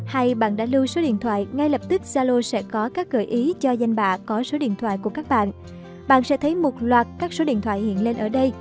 hay bạn đã lưu số điện thoại ngay lập tức zalo sẽ có các gợi ý cho danh bạ có số điện thoại của các bạn bạn sẽ thấy loạt các số điện thoại hiện lên ở đây